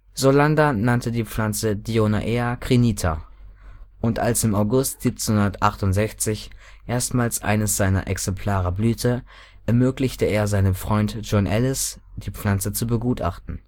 Solander nannte die Pflanze Dionaea crinita, und als im August 1768 erstmals eines seiner Exemplare blühte, ermöglichte er seinem Freund John Ellis, die Pflanze zu begutachten